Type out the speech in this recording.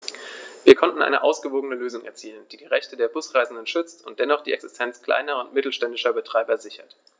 Wir konnten eine ausgewogene Lösung erzielen, die die Rechte der Busreisenden schützt und dennoch die Existenz kleiner und mittelständischer Betreiber sichert.